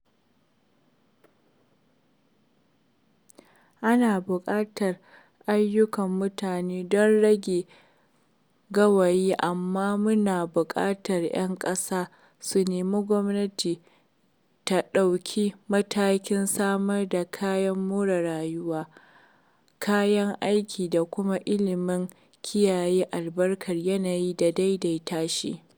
Ana buƙatar aiyukan mutane don rage gawayi amma muna buƙatar 'yan ƙasa su nemi gwamnati ta ɗauki matakin samar da kayan more rayuwa, kayan aiki da kuma ilimin kiyaye albarkar yanayi da daidaita shi.